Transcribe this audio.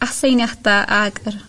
aseiniada ag yr